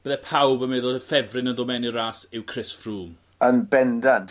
bydde pawb yn meddwl yw ffefryn yn do' mewn i'r ras yw Chris Froome. Yn bendant.